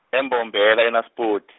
eMbombela ela Naspoti.